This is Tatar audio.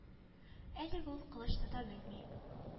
Әлегә ул кылыч тота белми